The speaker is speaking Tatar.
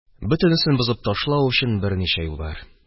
Бөтенесен бозып ташлау өчен берничә юл бар